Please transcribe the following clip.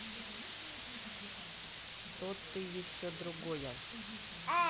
что ты еще другое